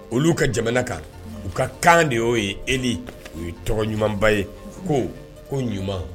Olu ka jamana kan u ka kan de y'o ye e o ye tɔgɔ ɲumanba ye ko ko ɲuman